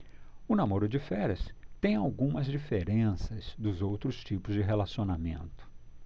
o namoro de férias tem algumas diferenças dos outros tipos de relacionamento